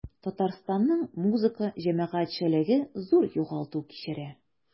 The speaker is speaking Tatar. Татарстанның музыка җәмәгатьчелеге зур югалту кичерә.